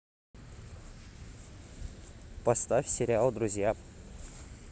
поставь сериал друзья